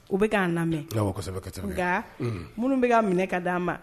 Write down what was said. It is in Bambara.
U bɛ' lamɛn nka minnu bɛ ka minɛ ka d di anan ma